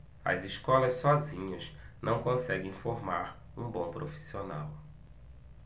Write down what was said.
as escolas sozinhas não conseguem formar um bom profissional